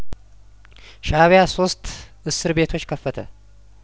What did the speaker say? ሻእቢያ ሶስት እስር ቤቶች ከፈተ